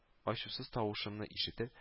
Ачусыз тавышымны ишетеп